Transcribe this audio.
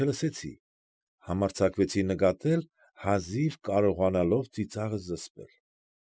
Լսեցի,֊ համարձակվեցի նկատել, հազիվ կարողանալով ծիծաղս զսպել։